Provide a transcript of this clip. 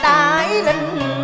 a đáy linh